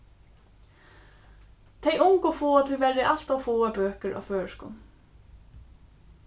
tey ungu fáa tíverri alt ov fáar bøkur á føroyskum